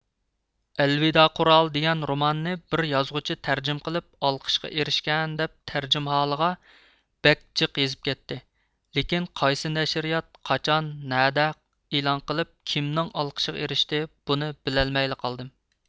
ئەلۋىدا قۇرال دىگەن روماننى بىر يازغۇچى تەرجىمە قىلىپ ئالقىشقا ئېرىشكەن دەپ تەرجىمھالىغا بەك جىق يېزىپ كەتتى لېكىن قايسى نەشىرىيات قاچان نەدە ئېلان قىلىپ كىمنىڭ ئالقىشىغا ئېرىشتى بۇنى بىلەلمەيلا قالدىم